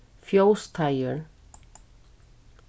fjósteigur